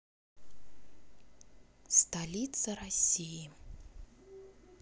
столица россии